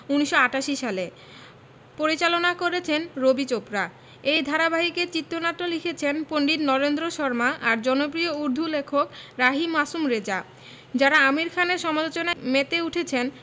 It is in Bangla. ১৯৮৮ সালে পরিচালনা করেছেন রবি চোপড়া এই ধারাবাহিকের চিত্রনাট্য লিখেছেন পণ্ডিত নরেন্দ্র শর্মা আর জনপ্রিয় উর্দু লেখক রাহি মাসুম রেজা যাঁরা আমির খানের সমালোচনায় মেতে উঠেছেন